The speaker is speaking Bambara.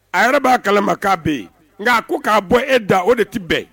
A yɛrɛ b'a kala' bɛ yen nka a ko k'a bɔ e da o de tɛ bɛn